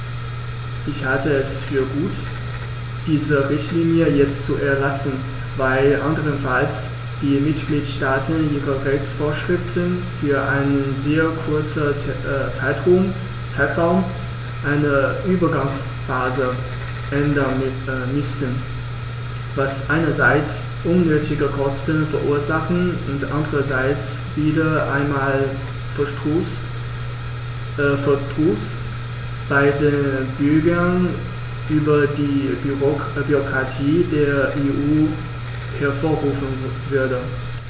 Ich halte es für gut, diese Richtlinie jetzt zu erlassen, weil anderenfalls die Mitgliedstaaten ihre Rechtsvorschriften für einen sehr kurzen Zeitraum, eine Übergangsphase, ändern müssten, was einerseits unnötige Kosten verursachen und andererseits wieder einmal Verdruss bei den Bürgern über die Bürokratie der EU hervorrufen würde.